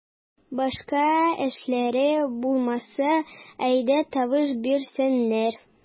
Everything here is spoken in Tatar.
Башка эшләре булмаса, әйдә ташый бирсеннәр.